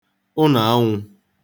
ụnọ̀ anwụ̄